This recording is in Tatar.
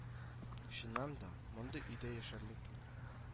Чыннан да мондый өйдә яшәрлек түгел